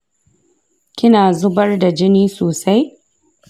kina zubar da jini sosai